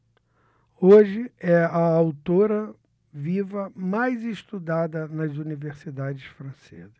hoje é a autora viva mais estudada nas universidades francesas